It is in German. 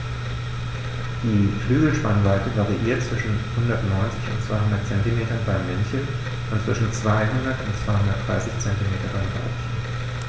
Die Flügelspannweite variiert zwischen 190 und 210 cm beim Männchen und zwischen 200 und 230 cm beim Weibchen.